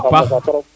a mosa trop